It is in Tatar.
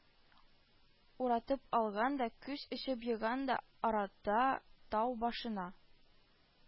Уратып алган да, күз ачып йомган арада тау башына